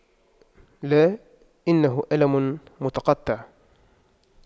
لا انه ألم متقطع